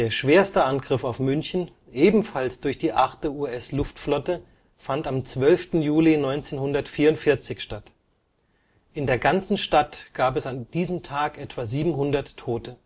schwerste Angriff auf München, ebenfalls durch die 8. USAAF, fand am 12. Juli 1944 statt. In der ganzen Stadt gab es an diesem Tag etwa 700 Tote